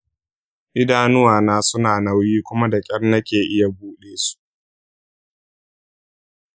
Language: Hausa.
idanuwana suna nauyi kuma da kyar nake iya buɗe su.